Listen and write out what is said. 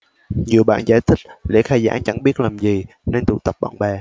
nhiều bạn giải thích lễ khai giảng chẳng biết làm gì nên tụ tập bạn bè